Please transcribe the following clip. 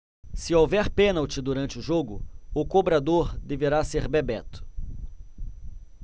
se houver pênalti durante o jogo o cobrador deverá ser bebeto